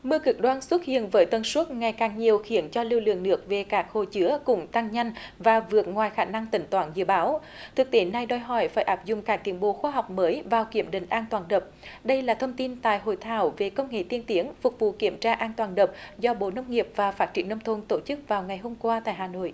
mưa cực đoan xuất hiện với tần suất ngày càng nhiều khiến cho lưu lượng nước về các hồ chứa cũng tăng nhanh và vượt ngoài khả năng tính toán dự báo thực tiễn này đòi hỏi phải áp dụng các tiến bộ khoa học mới vào kiểm định an toàn đập đây là thông tin tại hội thảo về công nghệ tiên tiến phục vụ kiểm tra an toàn đập do bộ nông nghiệp và phát triển nông thôn tổ chức vào ngày hôm qua tại hà nội